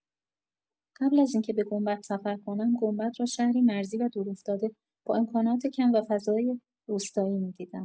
قبل از اینکه به گنبد سفر کنم، گنبد را شهری مرزی و دورافتاده، با امکانات کم و فضای روستایی می‌دیدم.